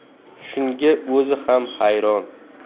shunga o'zi ham hayron